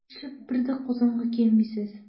Нишләп бер дә Казанга килмисез?